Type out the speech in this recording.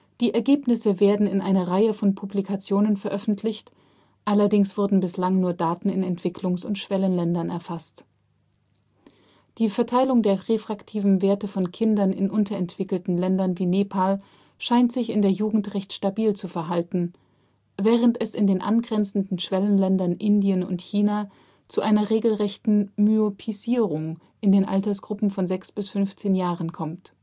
Die Ergebnisse werden in einer Reihe von Publikationen veröffentlicht, allerdings wurden bislang nur Daten in Entwicklungs - und Schwellenländern erfasst. Die Verteilung der refraktiven Werte von Kindern in unterentwickelten Ländern wie Nepal scheint sich in der Jugend recht stabil zu verhalten, während es in den angrenzenden Schwellenländern Indien und China zu einer regelrechten „ Myopiesierung “in den Altersgruppen von 6 bis 15 Jahren kommt